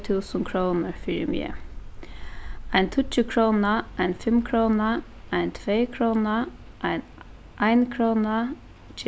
túsund krónur fyri meg ein tíggjukróna ein fimmkróna ein tveykróna ein einkróna